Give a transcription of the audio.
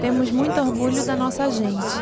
temos muito orgulho da nossa gente